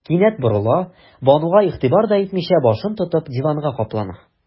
Кинәт борыла, Бануга игътибар да итмичә, башын тотып, диванга каплана.